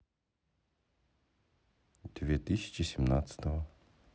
две тысячи семнадцатого